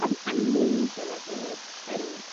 A n- a ni dylai bod yn